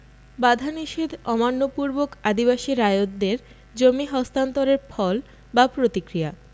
বাধানিষেধ অমান্য পূর্বক আদিবাসী রায়তদের জমি হস্তান্তরের ফল বা প্রতিক্রিয়া